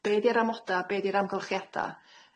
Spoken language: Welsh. Be' di'r amoda be' di'r amgylchiada?